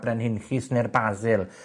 brenhinllys ne'r basil,